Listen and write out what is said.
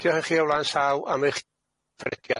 Diolch i chi o flaen llaw am eich cydweithrediad.